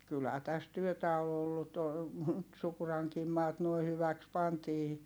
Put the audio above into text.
kyllähän tässä työtä on ollut - nyt Sukurankin maat nuo hyväksi pantiin